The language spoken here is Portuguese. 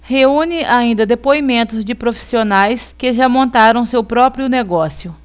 reúne ainda depoimentos de profissionais que já montaram seu próprio negócio